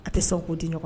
A tɛ sɔn k'o di ɲɔgɔn